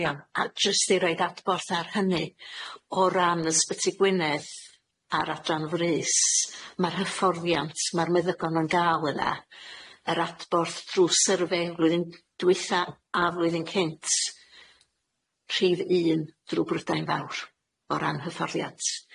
Iawn, a jyst i roid adborth ar hynny o ran Ysbyty Gwynedd, a'r adran frys ma'r hyfforddiant ma'r meddygon yn ga'l yna yr adborth drw survey flwyddyn dwitha a flwyddyn cynt rhif un drw Brydain fawr o ran hyfforddiant.